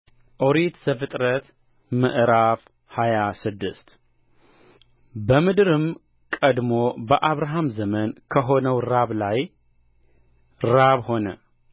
ኦሪት ዘፍጥረት ምዕራፍ ሃያ ስድስት በምድርም ቀድሞ በአብርሃም ዘመን ከሆነው ራብ በላይ ራብ ሆነ